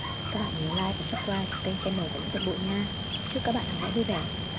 các bạn nhớ like và subcribe kênh channel của mỹ thuật bụi nha chúc các bạn học vẽ vui vẻ